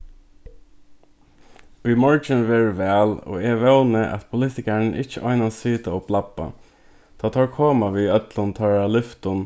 í morgin verður val og eg vóni at politikararnir ikki einans sita og blabba tá teir koma við øllum teirra lyftum